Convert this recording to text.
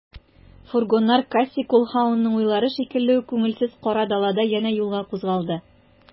Фургоннар Кассий Колһаунның уйлары шикелле үк күңелсез, кара далада янә юлга кузгалды.